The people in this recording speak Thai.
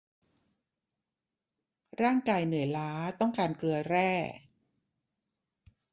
ร่างกายเหนื่อยล้าต้องการเกลือแร่